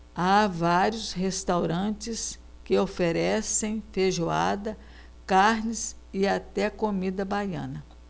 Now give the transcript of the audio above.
há vários restaurantes que oferecem feijoada carnes e até comida baiana